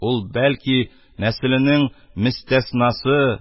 Ул, бәлки, нәселенең мөстәснасы